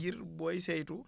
ngir booy saytu